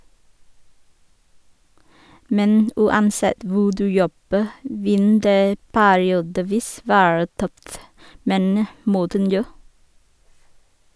Men uansett hvor du jobber, vil det periodevis være tøft, mener Morten Njå.